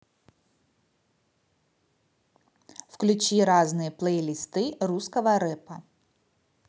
включи разные плейлисты русского рэпа